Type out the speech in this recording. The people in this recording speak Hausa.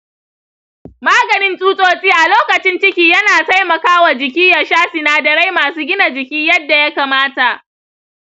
maganin tsutsotsi a lokacin ciki yana taimakawa jiki ya sha sinadarai masu gina jiki yadda ya kamata.